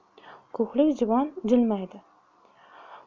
ko'hlik juvon jilmaydi